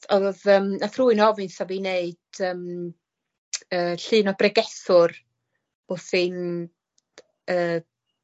odd yym nath rywun ofyn wtha fi neud yym yy llun o bregethwr wrthi'n yy